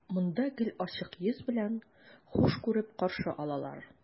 Монда гел ачык йөз белән, хуш күреп каршы алалар.